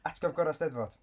Atgof gorau 'Steddfod.